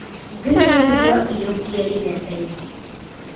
Бөтенебезгә оек-биялиләр бәйли.